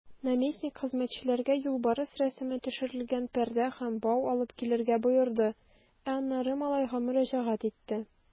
Наместник хезмәтчеләргә юлбарыс рәсеме төшерелгән пәрдә һәм бау алып килергә боерды, ә аннары малайга мөрәҗәгать итте.